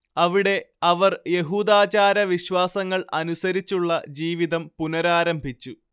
അവിടെ അവർ യഹൂദാചാരവിശ്വാസങ്ങൾ അനുസരിച്ചുള്ള ജീവിതം പുനരാരംഭിച്ചു